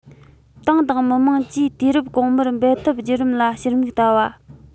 ཏང དང མི དམངས ཀྱིས དུས རབས གོང མར འབད འཐབ བརྒྱུད རིམ ལ ཕྱིར མིག བལྟ བ